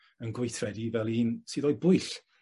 Yn gweithredu fel un sydd o'i bwyll?